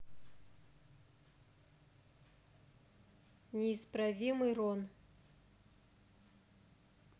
неисправимый рон